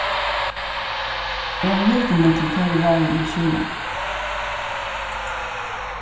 eg havi hildið meg til tey ráðini síðani